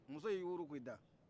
muso y'i yuru k'i da